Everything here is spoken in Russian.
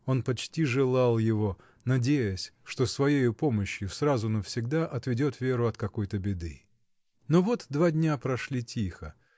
Он почти желал его, надеясь, что своею помощью сразу навсегда отведет Веру от какой-то беды. Но вот два дня прошли тихо